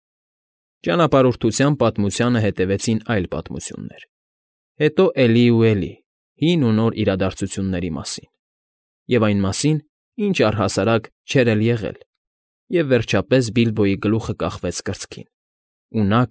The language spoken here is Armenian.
Ճանապարհորդության պատմությանը հետևեցին այլ պատմություններ, հետո էլի և էլի հին ու նոր իրադարձությունների մասին և այն մասին, ինչ առհասարակ չէր էլ եղել, և, վերջապես, Բիլբոյի գլուխը կախվեց կրծքին, ու նա։